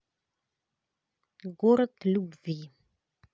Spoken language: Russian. город любви